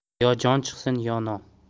yo jon chiqsin yo nom